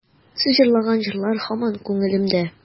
Сез җырлаган җырлар һаман күңелемдә.